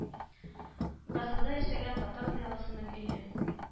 Гасырда яшәгән татар зыялысының өе